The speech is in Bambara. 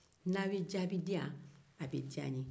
n'a bɛ jaabi di yan a bɛ ja n'ye